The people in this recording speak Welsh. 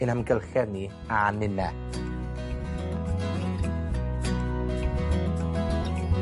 ein amgylched ni, a ninne.